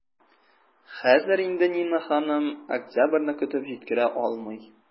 Хәзер инде Нина ханым октябрьне көтеп җиткерә алмый.